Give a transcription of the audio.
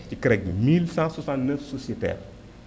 ci CREC bi 1169 sociataires